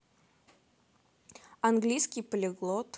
английский полиглот